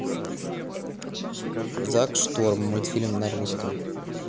зак шторм мультфильм на русском